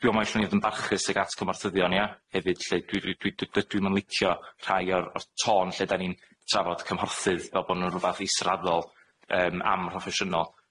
Dwi me'wl allwn ni fod yn barchus tuag at gymorthyddion, ia, hefyd lly. Dwi dwi dwi dwi- dydw i'm yn licio rhai o'r o'r tôn lle 'dan ni'n trafod cymhorthydd fel bo' nw'n rwbath israddol, yym amhroffesiynol.